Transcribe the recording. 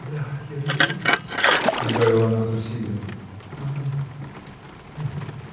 да, я люблю вас, -- прибавила она с усилием, -- но нет. нет.